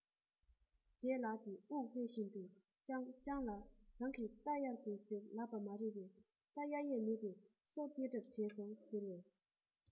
ལྗད ལགས ཀྱིས དབུགས ཧལ བཞིན དུ སྤྱང སྤྱང རང གིས རྟ གཡར དགོས ཟེར ལབ པ མ རེད པས རྟ གཡར ཡས མེད པའི སྲོག སྐྱེལ གྲབས བྱས སོང ཟེར བས